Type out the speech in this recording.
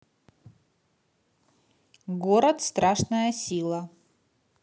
город страшная сила